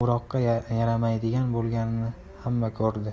uni o'roqqa yaramaydigan bo'lgani xamma ko'rdi